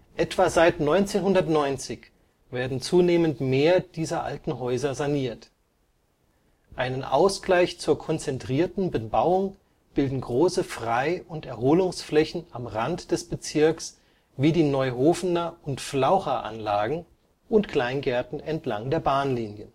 Etwa seit 1990 werden zunehmend mehr dieser alten Häuser saniert. Einen Ausgleich zur konzentrierten Bebauung bilden große Frei - und Erholungsflächen am Rand des Bezirks wie die Neuhofener - und Flaucheranlagen und Kleingärten entlang der Bahnlinien